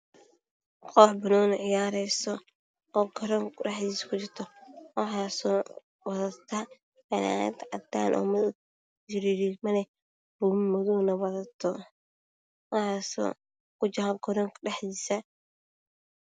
Waa koox banooni cayaarayso oo garoonka dhexdiisa kujirto. Waxay wataan fanaanad cadaan oo riigriigmo leh iyo buume madow.